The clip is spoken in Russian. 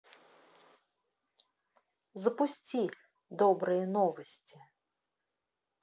запусти добрые новости